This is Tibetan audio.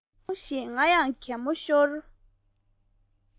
མཱེ མཱེ ཞེས ང ཡང གད མོ ཤོར